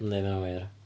Yndi, ma' hynna'n wir.